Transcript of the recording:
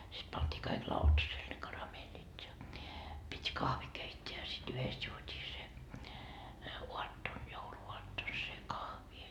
sitten pantiin kaikki lautaselle ne karamellit ja piti kahvi keittää ja sitten yhdessä juotiin se aattona jouluaattona se kahvi